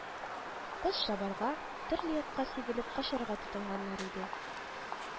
Быз чабарга, төрле якка сибелеп качарга тотынганнар иде